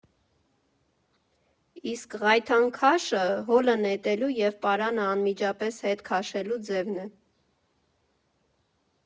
Իսկ «ղայթանքաշը» հոլը նետելու և պարանը անմիջապես հետ քաշելու ձևն է։